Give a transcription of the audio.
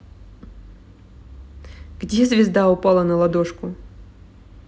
где звезда упала на ладошку